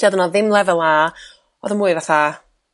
lle o'dd 'na ddim lefel a o'dd o mwy fatha